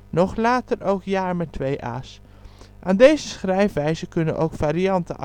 nog later ook jaar. Aan deze schrijfwijzen kunnen ook varianten